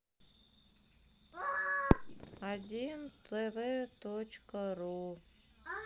один тв точка ру